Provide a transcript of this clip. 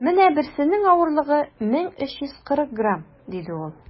- менә берсенең авырлыгы 1340 грамм, - диде ул.